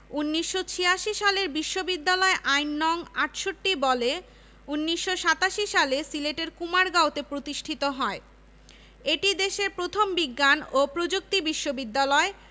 এই বিশ্ববিদ্যালয়ে প্রতিটি শিক্ষার্থীকে বাধ্যতামূলকভাবে বাংলা এবং ইংরেজি দুটো ভাষা এবং দুটো কম্পিউটার কোর্স পড়তে হয় বিশ্ববিদ্যালয়ের কম্পিউটার সেন্টার তাদের নিজস্ব কর্মী